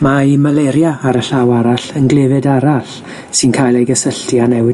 Mae Malaria, ar y llaw arall, yn glefyd arall sy'n cael ei gysylltu â newid